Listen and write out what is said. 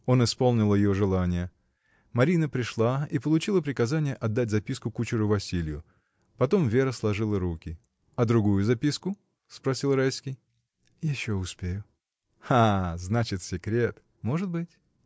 Он исполнил ее желание, Марина пришла и получила приказание отдать записку кучеру Василью. Потом Вера сложила руки. — А другую записку? — спросил Райский. — Еще успею. Значит, секрет! — Может быть!